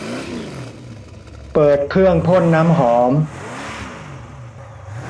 เปิดเครื่องพ่นน้ำหอม